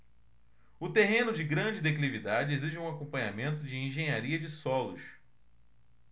o terreno de grande declividade exige um acompanhamento de engenharia de solos